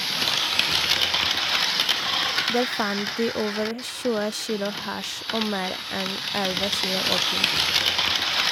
Der fant de over 20 kilo hasj og mer enn 11 kilo opium.